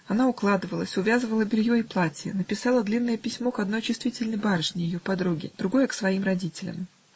она укладывалась, увязывала белье и платье, написала длинное письмо к одной чувствительной барышне, ее подруге, другое к своим родителям.